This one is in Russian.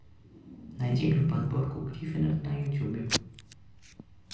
найди мне подборку гриффинов на ютубе